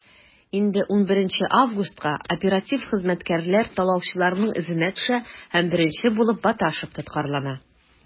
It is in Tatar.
Инде 11 августка оператив хезмәткәрләр талаучыларның эзенә төшә һәм беренче булып Баташев тоткарлана.